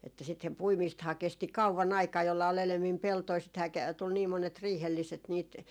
että - puimistahan kesti kauan aikaa jolla oli enemmin peltoja sitähän - tuli niin monet riihelliset niitä